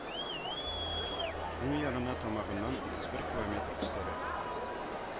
Уң ярына тамагыннан утыз бер километр өстәрәк